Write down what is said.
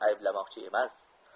ayblamoqchi emas